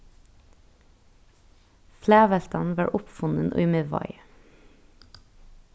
flagveltan var uppfunnin í miðvági